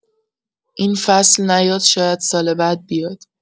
این فصل نیاد شاید سال بعد بیاد.